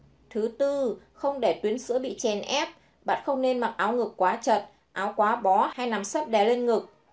không để tuyến sữa bị chèn ép bạn không nên mặc áo ngực chật áo quá bó hay nằm sấp đè lên ngực